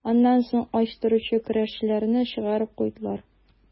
Аннан соң ач торучы көрәшчеләрне чыгарып куйдылар.